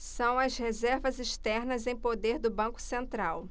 são as reservas externas em poder do banco central